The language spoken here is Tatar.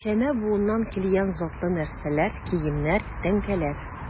Ничәмә буыннан килгән затлы нәрсәләр, киемнәр, тәңкәләр...